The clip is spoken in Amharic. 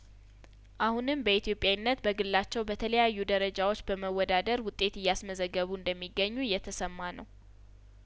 አሁንም በኢትዮጵያዊነት በግላቸው በተለያዩ ደረጃዎች በመወዳደር ውጤት እያስመዘገቡ እንደሚገኙ እየተሰማ ነው